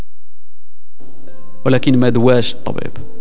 ادوات الطبيب